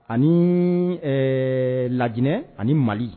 Ani lainɛ ani mali